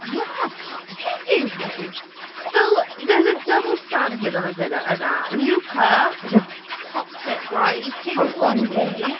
Ie! T- Y peth yw reit, fel, there's a double standard yn y villa yna. Luca, toxic, right? He's the king of misogyny.